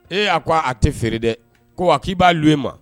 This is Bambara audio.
Ee a ko a tɛ fere dɛ ,ko wa k'i b'a louer n ma.